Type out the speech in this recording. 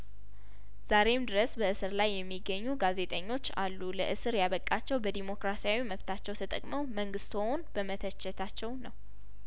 ዛሬም ድረስ በእስር ላይ የሚገኙ ጋዜጠኞች አሉ ለእስር ያበቃቸው በዲሞክራሲያዊ መብታቸው ተጠቅመው መንግስትዎን በመተቸታቸው ነው